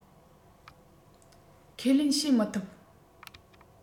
ཁས ལེན བྱེད མི ཐུབ